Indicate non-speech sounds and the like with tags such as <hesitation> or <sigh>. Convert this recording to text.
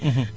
<hesitation> <hesitation>